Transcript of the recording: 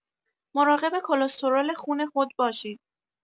مراقب کلسترول خون خود باشید.